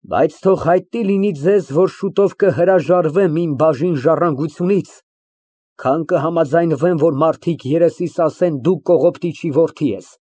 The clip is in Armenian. Բայց թող հայտնի լինի ձեզ, որ շուտով կհրաժարվեմ իմ բաժին ժառանգությունից, քան կհամաձայնվեմ, որ մարդիկ երեսիս ասեն. «Դու կողոպտիչի որդի ես»։